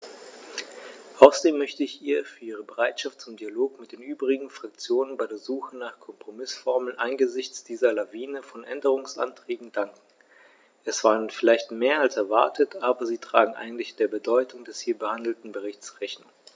Außerdem möchte ich ihr für ihre Bereitschaft zum Dialog mit den übrigen Fraktionen bei der Suche nach Kompromißformeln angesichts dieser Lawine von Änderungsanträgen danken; es waren vielleicht mehr als erwartet, aber sie tragen eigentlich der Bedeutung des hier behandelten Berichts Rechnung.